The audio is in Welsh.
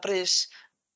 brys.